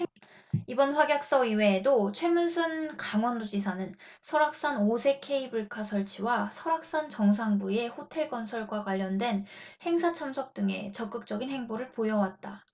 이번 확약서 이외에도 최문순 강원도지사는 설악산 오색케이블카 설치와 설악산 정상부의 호텔 건설과 관련된 행사 참석 등에 적극적인 행보를 보여왔다